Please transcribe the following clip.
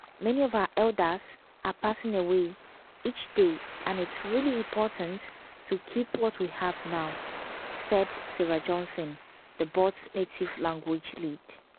“Many of our elders are passing away, each day, and it's really important to keep what we have now,” said Sarah Johnson, the Board's native language lead.